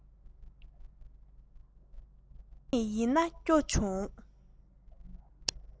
བསམ མེད ཡིན ན སྐྱོ བྱུང